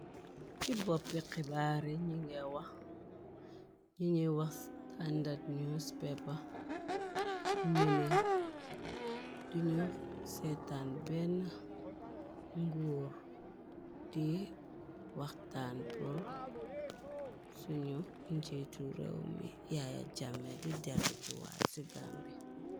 Ci boppi xibaare ye nuge wax nuge wax standard news paper ñune duñu seetaan benn nguur di waxtaan pur suñu njiitu réew mi yaayé jàmme di dalu ci waal ci gambe.